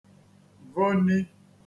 vọni